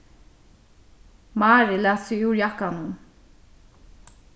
mary læt seg úr jakkanum